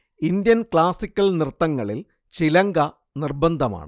Indian classical നൃത്തങ്ങളിൽ ചിലങ്ക നിർബന്ധമാണ്